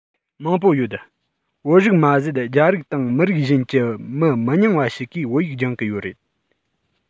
མང པོ ཡོད བོད རིགས མ ཟད རྒྱ རིགས དང མི རིགས གཞན གྱི མི མི ཉུང བ ཞིག གིས བོད ཡིག སྦྱོང གི ཡོད རེད